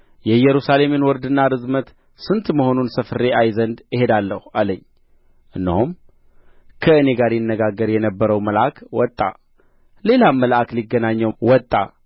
የኢየሩሳሌምን ወርድና ርዝመት ስንት መሆኑን ሰፍሬ አይ ዘንድ እሄዳለሁ አለኝ እነሆም ከእኔ ጋር ይነጋገር የነበረው መልአክ ወጣ ሌላም መልአክ ሊገናኘው ወጣ